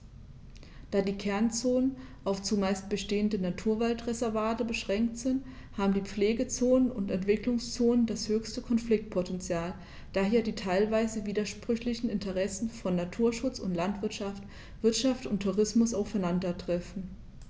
Da die Kernzonen auf – zumeist bestehende – Naturwaldreservate beschränkt sind, haben die Pflegezonen und Entwicklungszonen das höchste Konfliktpotential, da hier die teilweise widersprüchlichen Interessen von Naturschutz und Landwirtschaft, Wirtschaft und Tourismus aufeinandertreffen.